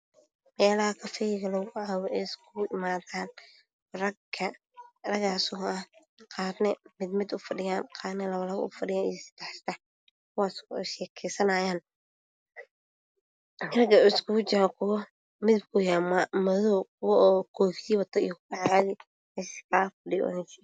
Waa meelaha kafayga lugu sameeyo oo rag iskugu imaadeen qaarna labo labo ayay kufadhiyaan, qaarna mid mid ufadhiyaan iyo kuwa seddex seddex u fadhiyo. Oo sheekeysanayo , kuwa koofiyo wato iyo kuwo caadi ah.